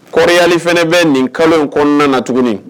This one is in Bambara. Kli fana bɛ nin kalo kɔnɔna na tuguni